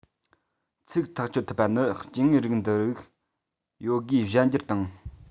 ཚིག ཐག གཅོད ཐུབ པ ནི སྐྱེ དངོས རིགས འདི རིགས ཡོད དགུའི གཞན འགྱུར དང